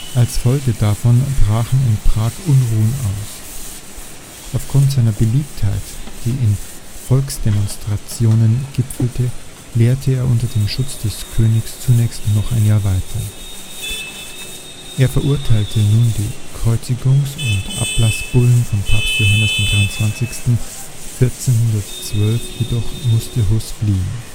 Als Folge davon brachen in Prag Unruhen aus. Aufgrund seiner Beliebtheit, die in Volksdemonstrationen gipfelte, lehrte Hus unter dem Schutz des Königs zunächst noch ein Jahr weiter. Er verurteilte nun die Kreuzzugs - und Ablassbullen von Papst Johannes XXIII. 1412 jedoch musste Hus fliehen